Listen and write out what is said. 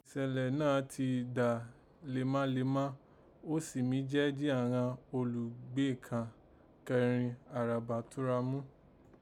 Ìṣẹ̀lẹ̀ náà ti dà lemalema ó sì mí je jí àghan olùgbé ka kẹ́rin àrábà túnrà mu